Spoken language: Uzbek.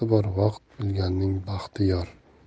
bor vaqt bilganning baxti yor